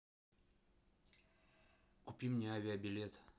купи мне авиабилет